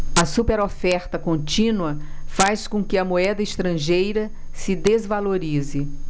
a superoferta contínua faz com que a moeda estrangeira se desvalorize